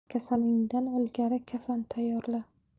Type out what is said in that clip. kasalingdan ilgari kafan tayyorla